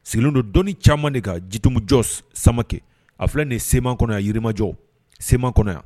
Sigilen don dɔni caman de ka jitumujɔ samakɛ a filɛ nin seman kɔnɔya yirimajɔ sema kɔnɔya